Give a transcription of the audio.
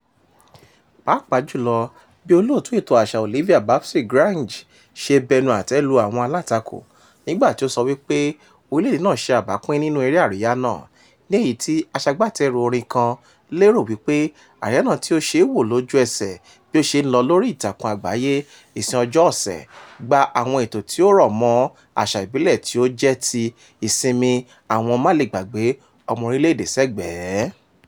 Pàápàá jù lọ bí Olóòtú Ètò Àṣà Olivia "Babsy" Grange ṣe bẹnu-àtẹ́ lu àwọn alátakò nígbà tí ó sọ wípé orílẹ̀ èdè náà ṣe àbápín nínú èrè àríyá náà, ní èyí tí aṣagbátẹrù orin kan lérò wípé àríyá náà tí ó ṣe é wò lójú ẹsẹ̀ bí ó ṣe ń lọ lóríi ìtakùn àgbáyée Ìsìn Ọjọ́ Ọ̀sẹ̀, "gba" àwọn ètò tí ó rọ̀ mọ́ àṣà ìbílẹ̀ tí ó jẹ́ ti Ìsinmi àwọn Málegbàgbé Ọmọ orílẹ̀ èdè sẹ́gbẹ̀ẹ́.